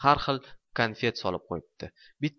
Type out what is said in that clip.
har xil konfet solib qo'yibdi